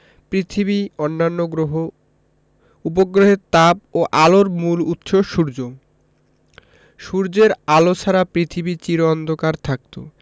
পৃথিবী অন্যান্য গ্রহ উপগ্রহের তাপ ও আলোর মূল উৎস সূর্য সূর্যের আলো ছাড়া পৃথিবী চির অন্ধকার থাকত